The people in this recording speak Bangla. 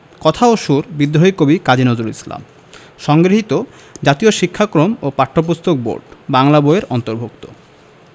কথা ও সুর বিদ্রোহী কবি কাজী নজরুল ইসলাম সংগৃহীত জাতীয় শিক্ষাক্রম ও পাঠ্যপুস্তক বোর্ড বাংলা বই এর অন্তর্ভুক্ত